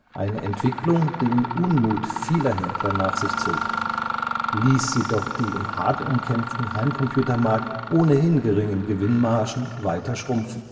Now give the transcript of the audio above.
Eine Entwicklung, die den Unmut vieler Händler nach sich zog – ließ sie doch die im hart umkämpften Heimcomputermarkt ohnehin geringen Gewinnmargen weiter schrumpfen